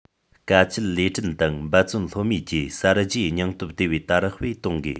དཀའ སྤྱད ལས སྐྲུན དང འབད བརྩོན ལྷོད མེད ཀྱི གསར བརྗེའི སྙིང སྟོབས དེ བས དར སྤེལ གཏོང དགོས